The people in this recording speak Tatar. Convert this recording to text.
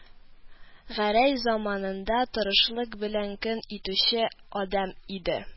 Гәрәй заманында тырышлык белән көн итүче адәм иде